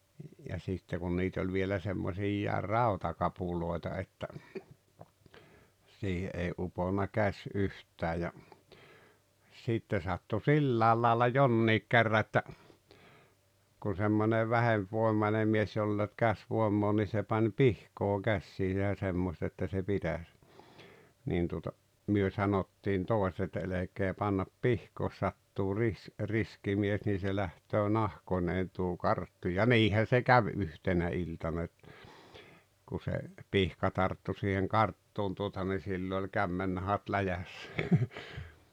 ja sitten kun niitä oli vielä semmoisia rautakapuloita että siihen ei uponnut käsi yhtään ja sitten sattui sillä lailla jonkin kerran että kun semmoinen vähempivoimainen mies jolla ei ollut käsivoimaa niin se pani pihkaa käsiinsä ja semmoista että se pitäisi niin tuota me sanottiin toiset että älkää panko pihkaa jos sattuu - riski mies niin se lähtee nahkoineen tuo karttu ja niinhän se kävi yhtenä iltana että kun se pihka tarttui siihen karttuun tuota niin silloin oli kämmennahat läjässä